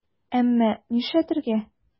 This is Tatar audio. Әмма нишләргә?!